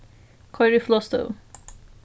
koyr í flogstøðu